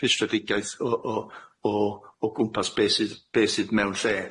rhwystredigaeth o o o o gwmpas be' sydd be' sydd mewn lle.